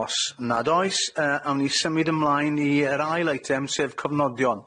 Os nad oes, yy 'awn ni symud ymlaen i yr ail eitem, sef cofnodion.